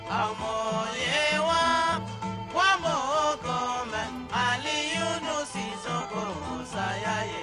Mɔ wa kɔn mɔgɔ kɔnɔbɛn ani' ye sisansɔnkɔrɔ saya ye